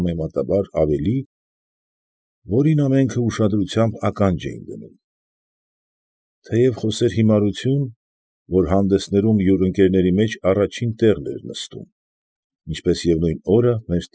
Համեմատաբար ավելի, որին ամենքը ուշադրությամբ ականջ էին դնում, թեև խոսեր հիմարություն, որը հանդեսներում յուր ընկերների մեջ առաջին տեղն էր նստում, ինչպես և նույն օրը մեր։